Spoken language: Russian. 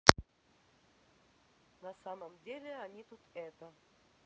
на самом деле они тут это